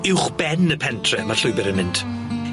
Uuwch ben y pentre ma'r llwybyr yn mynd.